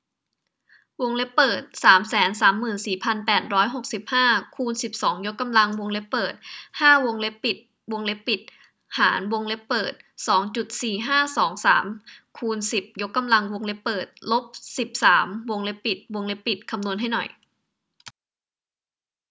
วงเล็บเปิดสามแสนสามหมื่นสี่พันแปดร้อยหกสิบห้าคูณสิบสองยกกำลังวงเล็บเปิดห้าวงเล็บปิดวงเล็บปิดหารวงเล็บเปิดสองจุดสี่ห้าสองสามคูณสิบยกกำลังวงเล็บเปิดลบสิบสามวงเล็บปิดวงเล็บปิดคำนวณให้หน่อย